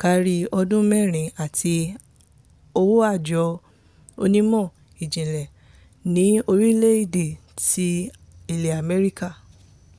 kárí ọdún mẹ́rin láti ọwọ́ Àjọ Onímọ̀-ìjìnlẹ̀ ní Orílẹ̀ ti ilẹ̀ Amẹ́ríkà.